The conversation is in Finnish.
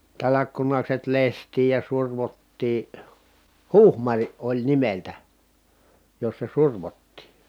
talkkunakset lestiin ja survottiin huhmar oli nimeltään jossa survottiin